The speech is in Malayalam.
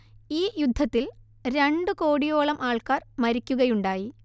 ഈ യുദ്ധത്തിൽ രണ്ടു കോടിയോളം ആൾക്കാർ മരിക്കുകയുണ്ടായി